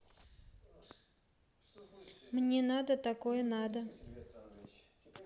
мне надо такое надо